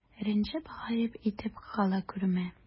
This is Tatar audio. Рәнҗеп, гаеп итеп кала күрмә.